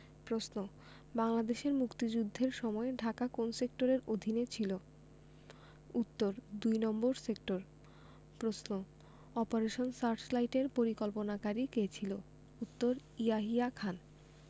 প্রশ্ন বাংলাদেশের মুক্তিযুদ্ধের সময় ঢাকা কোন সেক্টরের অধীনে ছিলো উত্তর দুই নম্বর সেক্টর প্রশ্ন অপারেশন সার্চলাইটের পরিকল্পনাকারী কে ছিল উত্তর ইয়াহিয়া খান